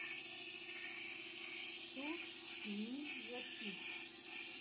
Սուրճ, գինի և գիրք։